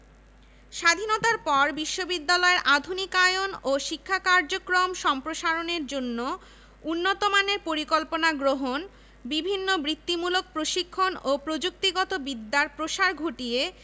স্বাধীনতার পর বিশ্ববিদ্যালয়ের আধুনিকায়ন ও শিক্ষা কার্যক্রম সম্প্রসারণের জন্য উন্নতমানের পরিকল্পনা গ্রহণ বিভিন্ন বৃত্তিমূলক প্রশিক্ষণ ও প্রযুক্তিগত বিদ্যার প্রসার ঘটিয়ে